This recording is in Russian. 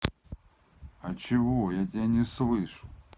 а чего я тебя не слышу